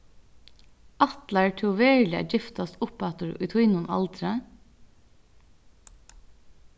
ætlar tú veruliga at giftast uppaftur í tínum aldri